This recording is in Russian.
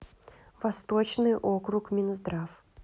восточный округ минздрав